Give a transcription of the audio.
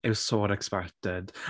It was so unexpected.